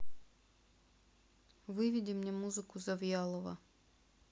выведи мне музыку завьялова